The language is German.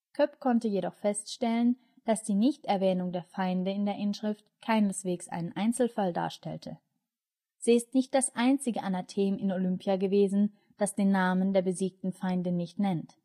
Koepp konnte jedoch feststellen, dass die Nichterwähnung der Feinde in der Inschrift keineswegs einen Einzelfall darstellt. Sie ist nicht das einzige Anathem in Olympia gewesen, das den Namen der besiegten Feinde nicht nennt